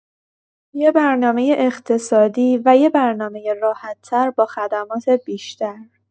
یه برنامۀ اقتصادی و یه برنامۀ راحت‌تر با خدمات بیشتر.